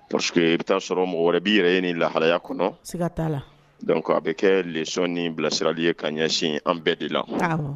Pseke i bɛ' sɔrɔ mɔgɔ wɛrɛ b bɛ yɛrɛ ye ni laharaya kɔnɔc a bɛ kɛ lec ni bilasirali ye ka ɲɛsin an bɛɛ de la